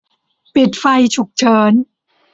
ปิดไฟฉุกเฉิน